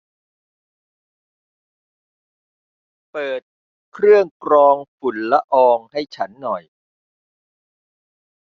เปิดเครื่องกรองฝุ่นละอองให้ฉันหน่อย